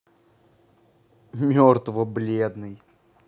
мертво бледный